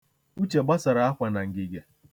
Uche gbasara akwa na ngige.